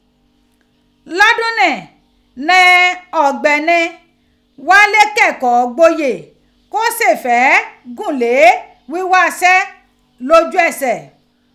Lọdun ni ni Ọgbẹni Wálé kẹkọọ gboye ko se fẹ gun le ghigha iṣẹ loju ẹsẹ.